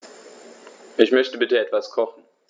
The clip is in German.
Ich möchte bitte etwas kochen.